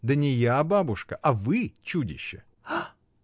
— Да не я, бабушка, а вы чудище. — Ах!